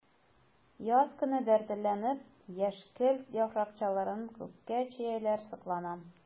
Яз көне дәртләнеп яшькелт яфракчыкларын күккә чөяләр— сокланам.